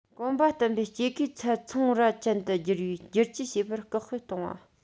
གོམ པ བརྟན པོས སྐྱེད ཀའི ཚད ཚོང ར ཅན དུ འགྱུར བའི བསྒྱུར བཅོས བྱེད པར སྐུལ སྤེལ གཏོང བ